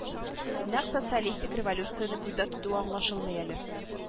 Нәкъ социалистик революцияне күздә тотуы аңлашылмый әле